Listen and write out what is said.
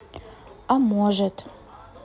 а может